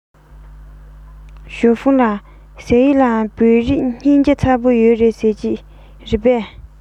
ཞའོ ཧྥུང ལགས ཟེར ཡས ལ བོད རིགས སྙིང རྗེ ཚ པོ ཡོད རེད ཟེར གྱིས རེད པས